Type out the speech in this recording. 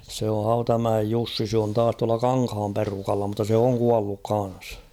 se on Hautamäen Jussi se on taas tuolla Kankaan perukalla mutta se on kuollut kanssa